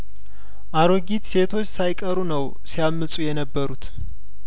አሮጊት ሴቶች ሳይቀሩ ነው ሲያምጹ የነበሩት